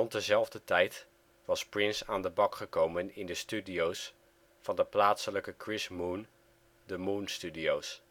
dezelfde tijd was Prince aan de bak gekomen in de studio 's van de plaatselijke Chris Moon, de Moonstudios